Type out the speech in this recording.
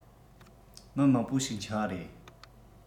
མི མང པོ ཞིག འཆི བ རེད